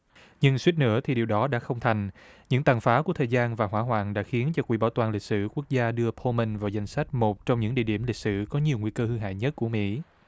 nhưng suýt nữa thì điều đó đã không thành những tàn phá của thời gian và hỏa hoạn đã khiến cho quỹ bảo tàng lịch sử quốc gia được hòa mình vào danh sách một trong những địa điểm lịch sử có nhiều nguy cơ hư hại nhất của mỹ